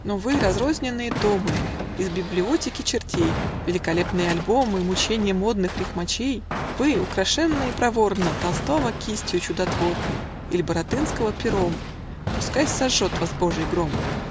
Но вы, разрозненные томы Из библиотеки чертей, Великолепные альбомы, Мученье модных рифмачей, Вы, украшенные проворно Толстого кистью чудотворной Иль Баратынского пером, Пускай сожжет вас божий гром!